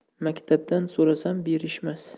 maktabdan so'rasam berishmas